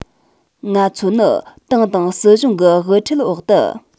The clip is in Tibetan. ང ཚོ ནི ཏང དང སྲིད གཞུང གི དབུ ཁྲིད འོག ཏུ